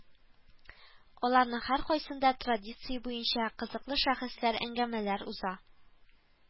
Аларның һәр кайсында традиция буенча Кызыклы шәхесләр әңгәмәләр уза